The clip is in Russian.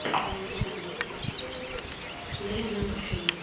дай нам афину